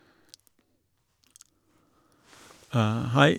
Hei.